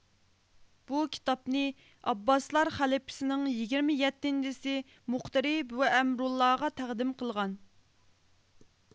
بۇ كىتابنى ئابباسلار خەلىپىسىنىڭ يىگىرمە يەتتىنچىسى مۇقتىرى بىئەمرۇللاغا تەقدىم قىلغان